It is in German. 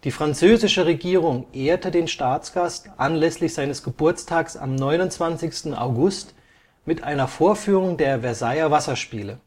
französische Regierung ehrte den Staatsgast anlässlich seines Geburtstags am 29. August mit einer Vorführung der Versailler Wasserspiele